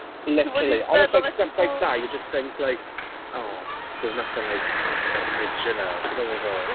Literally and it's stuff like that you just think like "Oh, there's nothing like original." Ti'n gwybod be?